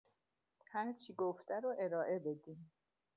هرچی گفته رو ارائه بدین